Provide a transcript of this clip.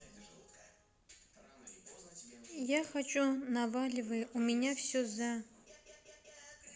я хочу наваливай у меня все зае